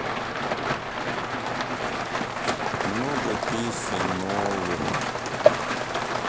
много песен новых